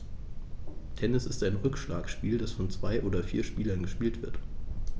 Tennis ist ein Rückschlagspiel, das von zwei oder vier Spielern gespielt wird.